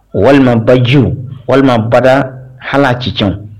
Walima baju walima bada hali ci c